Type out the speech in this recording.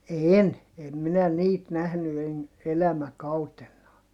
en en minä niitä nähnyt en elämäkautenaan